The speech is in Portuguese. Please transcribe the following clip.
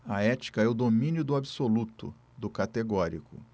a ética é o domínio do absoluto do categórico